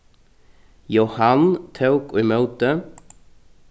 jóhann tók ímóti